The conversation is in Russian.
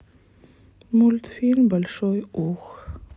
мультфильм большой ух